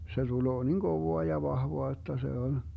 se tulee niin kovaa ja vahvaa jotta se on